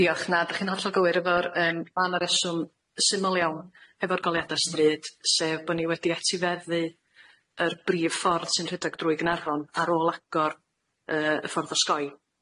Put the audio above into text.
Diolch. Na dach chi'n hollol gywir efo'r yym rheswm syml iawn hefo'r goleuada stryd sef, bo' ni wedi etifeddu yr brif ffordd sy'n rhedeg drwy Gaernarfon ar ôl agor yy y ffordd osgoi.